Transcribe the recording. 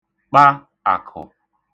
kpa àkụ̀